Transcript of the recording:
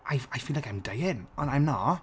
I... I feel like I'm dying, and I'm not.